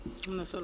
am na solo